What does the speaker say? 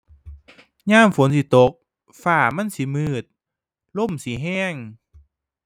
ยามฝนสิตก ฟ้ามันสิมืด ลมสิแรง